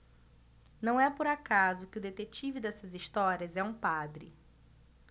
não é por acaso que o detetive dessas histórias é um padre